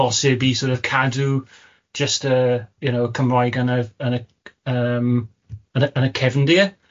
bosib i sor' of cadw jyst yr you know Cymraeg yn y yn y c- yym yn y yn y cefndir